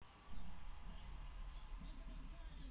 джой ты набрал дождь днем а не вечером